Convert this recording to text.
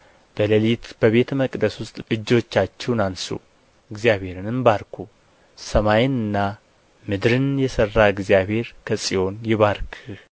በሌሊት በቤተ መቅደስ ውስጥ እጆቻችሁን አንሡ እግዚአብሔርንም ባርኩ ሰማይንና ምድርን የሠራ እግዚአብሔር ከጽዮን ይባርክህ